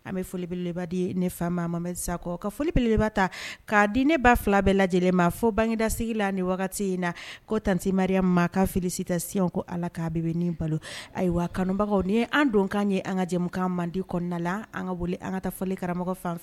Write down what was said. An bɛ folibeleden ye ne fa maha sakɔ ka folibele ta kaa di ne ba fila bɛɛ lajɛ lajɛlen ma fɔ bangedasigi la ni wagati in na ko tmaruya maa ka filisi tɛsi ko ala k'a bɛ bɛ nin balo ayiwa kanbagaw ni an dunkan ye an ka jɛmukan mande kɔnɔna la an ka boli an ka taa fɔli karamɔgɔ fan